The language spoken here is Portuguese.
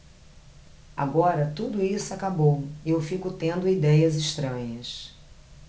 agora tudo isso acabou e eu fico tendo idéias estranhas